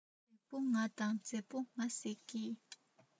ལེགས པོ ང དང མཛེས པོ ང ཟེར གྱི